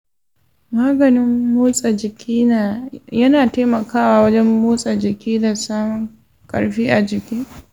maganin motsa jiki yana taimakawa wajen motsa jiki da samun karfi a jiki.